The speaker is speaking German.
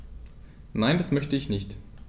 Nein, das möchte ich nicht.